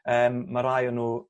yym ma' rhai o n'w